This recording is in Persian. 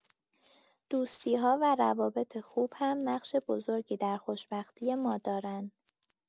دوستی‌ها و روابط خوب هم نقش بزرگی در خوشبختی ما دارن.